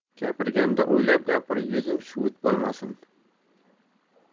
gapirganda o'ylab gapir yuzing shuvit bo'lmasin